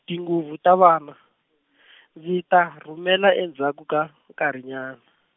tinguvu ta vana, ndzi ta rhumela endzhaku ka nkarhinyana.